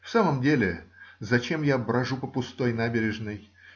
В самом деле, зачем я брожу по пустой набережной?